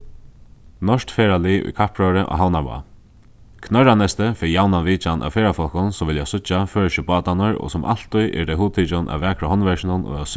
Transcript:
norskt ferðalið í kappróðri á havnarvág knørraneystið fær javnan vitjan av ferðafólkum sum vilja síggja føroysku bátarnir og sum altíð eru tey hugtikin av vakra handverkinum og av